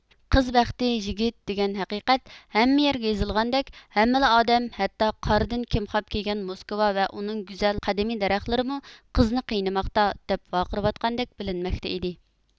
قىز بەختى يىگىت دېگەن ھەقىقەت ھەممە يەرگە يېزىلغاندەك ھەممىلا ئادەم ھەتتا قاردىن كىمخاب كىيگەن موسكۋا ۋە ئۇنىڭ گۈزەل قەدىمىي دەرەخلىرىمۇ قىزنى قىينىماقتا دەپ ۋارقىراۋاتقاندەك بىلىنمەكتە ئىدى